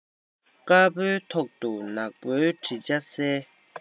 དཀར པོའི ཐོག ཏུ ནག པོའི བྲིས ཆ གསལ